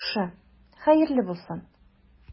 Яхшы, хәерле булсын.